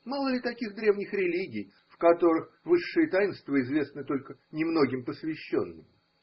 Мало ли таких древних религий, в которых высшие таинства известны только немногим посвященным?.